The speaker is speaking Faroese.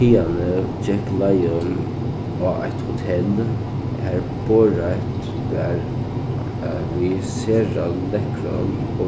hiðani gekk leiðin á eitt hotell har borðreitt var við sera lekkrum